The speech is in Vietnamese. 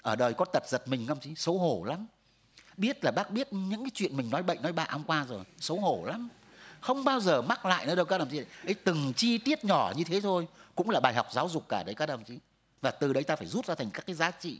ở đời có tật giật mình ngâm xí xấu hổ lắm biết là bác biết những cái chuyện mình nói bậy nói bạ hôm qua rồi xấu hổ lắm không bao giờ mắc lại nữa đâu các đồng chí ấy từng chi tiết nhỏ như thế thôi cũng là bài học giáo dục cả đấy các đồng chí và từ đấy ta phải rút ra thành các cái giá trị